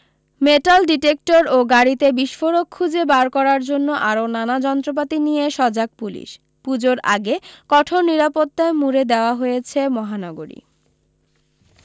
metal detector ও গাড়িতে বিস্ফোরক খুঁজে বার করার জন্য আরও নানা যন্ত্রপাতি নিয়ে সজাগ পুলিশ পূজোর আগে কঠোর নিরাপত্তায় মুড়ে দেওয়া হয়েছে মহানগরী